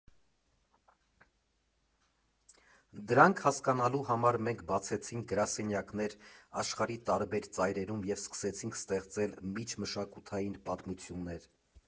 Դրանք հասկանալու համար մենք բացեցինք գրասենյակներ աշխարհի տարբեր ծայրերում և սկսեցինք ստեղծել միջմշակութային պատմություններ։